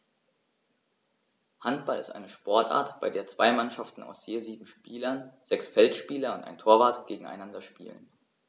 Handball ist eine Sportart, bei der zwei Mannschaften aus je sieben Spielern (sechs Feldspieler und ein Torwart) gegeneinander spielen.